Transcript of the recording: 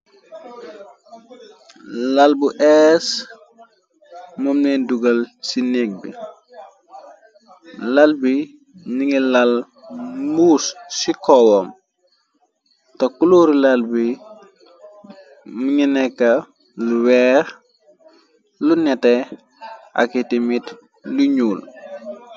Lal bu ees moom lany dugal ci neg bi. Lal bi ningi lal mous ci kowom, te kuloorii lal bi mingi nekka lu weex lu nete ak itimit lu ñuul.